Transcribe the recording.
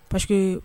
Parce que